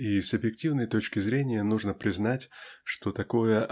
и с объективной точки зрения нужно признать что такое